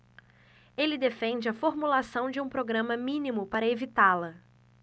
ele defende a formulação de um programa mínimo para evitá-la